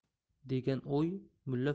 degan o'y mulla